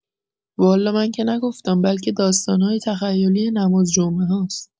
والا من که نگفتم بلکه داستان‌های تخیلی نمازجمعه هاست